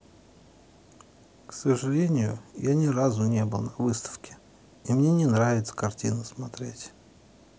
к сожалению я ни разу не был на выставке и мне не нравится картины смотреть